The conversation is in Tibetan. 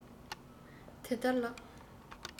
དེ ལྟར ལགས